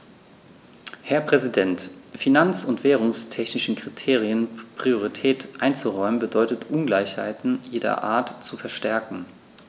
Herr Präsident, finanz- und währungstechnischen Kriterien Priorität einzuräumen, bedeutet Ungleichheiten jeder Art zu verstärken.